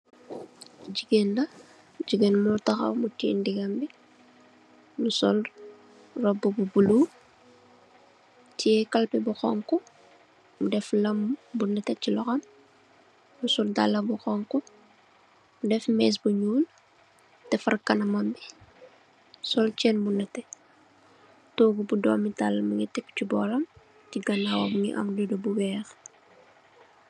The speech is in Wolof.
Jigéen la, jigéen ji mu ngi taxaw tiyee ndiggam, mu sol robbu bu bulo, tiyee kalpe bu xoñxu, fuloor bu nétté si loxom, mu sol dallë bu xoñxu, def mees bu ñuul, defar kanamam bi, sol ceen bu nétté, toogu doomi taal mu ngi Tek ci bóoram, ci ganaawam mu ngi am riddo bu weex.